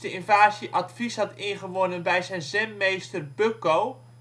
invasie advies had ingewonnen bij zijn Zenmeester Bukko